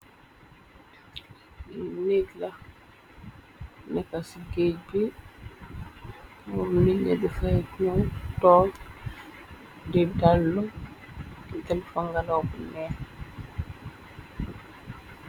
Li neeg la neka ci géej bi nur niñe di faetñu toog di dallo ditelu fangalaw bu neex.